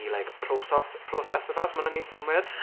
i, like, prosos- proseso fe, os ma' hwnna'n wneud synnwyr?